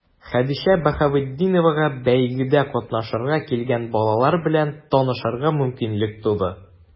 Хәдичә Баһаветдиновага бәйгедә катнашырга килгән балалар белән танышырга мөмкинлек туды.